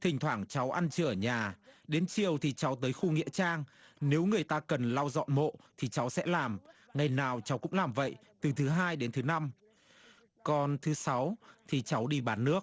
thỉnh thoảng cháu ăn trưa ở nhà đến chiều thì cháu tới khu nghĩa trang nếu người ta cần lau dọn mộ thì cháu sẽ làm ngày nào cháu cũng làm vậy từ thứ hai đến thứ năm còn thứ sáu thì cháu đi bán nước